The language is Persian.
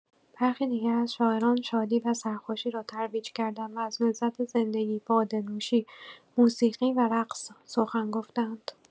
برخی دیگر از شاعران، شادی و سرخوشی را ترویج کرده‌اند و از لذت زندگی، باده‌نوشی، موسیقی و رقص سخن گفته‌اند.